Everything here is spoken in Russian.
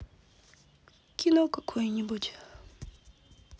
кино какое нибудь